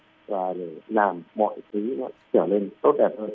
ròi làm mọi thứ trở nên tốt đẹp hơn